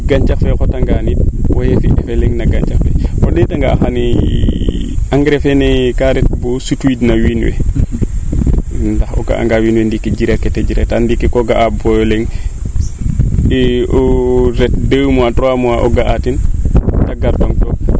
gaxcax fee a xota ngaan it wee fi effet leŋ no gancax fee o ndeta nga xani engrais feene ka ret boo sutwiid no wiin we ndax o ga'a nga wiin we ndiiki jirake de njirata ndiiki ko ga'a o boy o leŋ o ret deux moix o ga'a tin te gar tong took